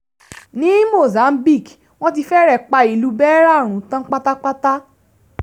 Ní Mozambique, wọ́n ti fẹ́rẹ̀ pa ìlú Beira run tán pátápátá.